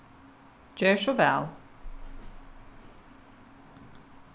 ger so væl